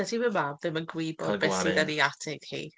Dydy fy Mam ddim yn gwybod... Cael gwared. ...beth sydd yn ei atig hi.